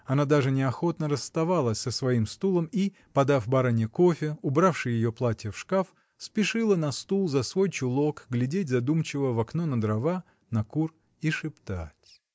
Она даже неохотно расставалась со своим стулом и, подав барыне кофе, убравши ее платья в шкаф, спешила на стул, за свой чулок, глядеть задумчиво в окно на дрова, на кур и шептать.